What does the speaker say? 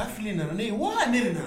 Fili nana ne wa ne nana